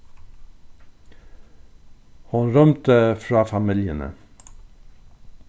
hon rýmdi frá familjuni